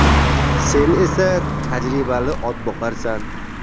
sen esa tajribali otboqarsan